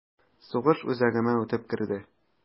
Сугыш үзәгемә үтеп керде...